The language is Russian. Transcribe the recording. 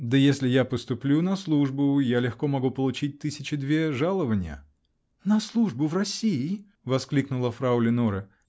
Да если я поступлю на службу -- я легко могу получить тысячи две жалованья. -- На службу в России? -- воскликнула фрау Леноре.